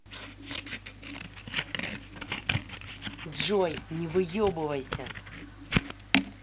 джой не выебывайся